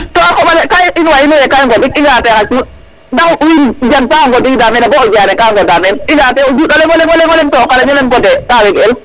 to a koɓale ka i in wa inu ya ka i ŋodik i nga ate xa cuuɗ dax wiin a ŋodida mene bo Diaré ga ŋodida meen i ŋa ate o juɗo leŋo leŋ to o Ngalagne o leŋ gode ka weg el